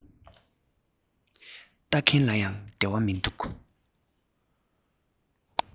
ལྟ མཁན ལ ཡང བདེ བ མི འདུག